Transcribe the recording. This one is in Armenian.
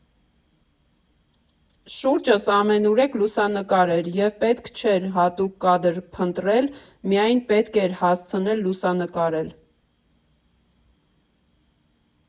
Շուրջս ամենուրեք լուսանկար էր, և պետք չէր հատուկ կադր փնտրել՝ միայն պետք էր հասցնել լուսանկարել։